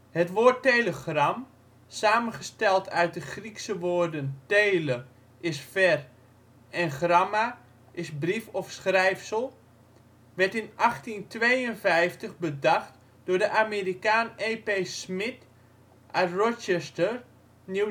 Het woord ' telegram ', samengesteld uit de Griekse woorden ' tele ' (ver) en ' gramma ' (brief of schrijfsel), werd in 1852 bedacht door de Amerikaan E.P. Smith uit Rochester, N.Y.